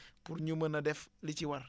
pour ñu mën a def li ci war